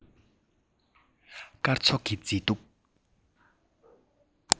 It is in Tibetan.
སྐར ཚོགས ཀྱི མཛེས སྡུག